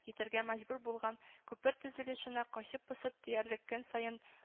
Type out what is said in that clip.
Китәргә мәҗбүр булган күпер төзелешенә качып-посып диярлек көн саен